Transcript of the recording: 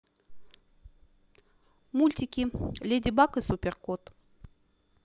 мультики леди баг и супер кот